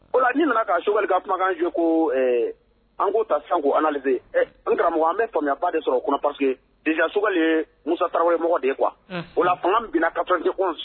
O la n'i nana ka Sogɛl ka kumakan joué ko an k'o ta sisan ko analysé an karamɔgɔ an bɛ faamuyaba de sɔrɔ o kɔnɔ parce que déjà Sogɛl ye Musa Tarawere yemɔgɔ de quoi kuwa o la fanga min bin na 91